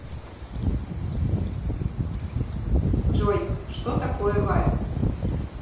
джой что такое wire